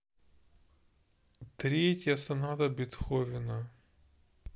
третья соната бетховена